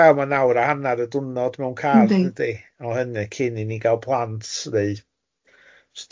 Wel ma'n awr a hannar y dwrnod mewn car yndydi? Yndi. O hynny cyn i ni gael plant